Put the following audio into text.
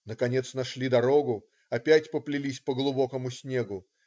Наконец нашли дорогу, опять поплелись по глубокому снегу.